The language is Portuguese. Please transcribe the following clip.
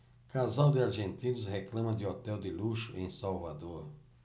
casal de argentinos reclama de hotel de luxo em salvador